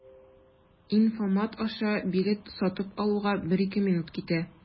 Инфомат аша билет сатып алуга 1-2 минут китә.